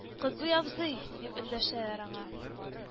«котбый абзый!» — дип эндәшәләр аңа